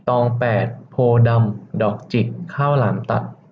ตองแปดโพธิ์ดำดอกจิกข้าวหลามตัด